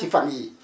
ci fan yii